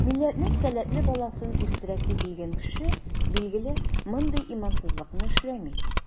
Милләтнең сәләтле баласын үстерәсе килгән кеше, билгеле, мондый имансызлыкны эшләми.